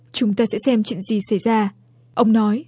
chúng ta sẽ xem chuyện gì xảy ra ông nói